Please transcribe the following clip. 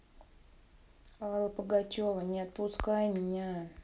алла пугачева не отпускай меня